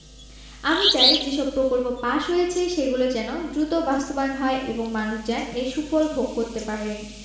আমি চাই যেসব প্রকল্প পাস হয়েছে সেগুলো যেন দ্রুত বাস্তবায়ন হয় এবং মানুষ যেন এর সুফল ভোগ করতে পারেন